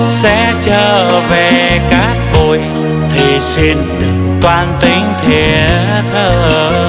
sẽ trở về cát bụi thì xin đừng toan tính thiệt hơn